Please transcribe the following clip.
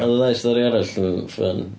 Oedd y ddau stori arall yn fun.